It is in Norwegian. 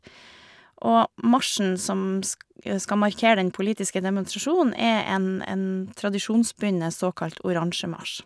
Og marsjen som sk skal markere den politiske demonstrasjonen, er en en tradisjonsbundet såkalt oransjemarsj.